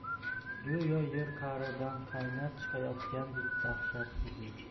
go'yo yer qa'ridan qaynab chiqayotgandek dahshat edi